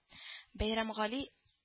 Бәйрәмгали